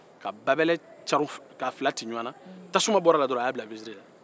ka babɛlɛ caro k'a fila ci ɲɔgɔn na tasuma bɔr'a la dɔrɔn a ya bila binsiri la